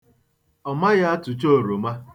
Ọ maghị atụcha oroma.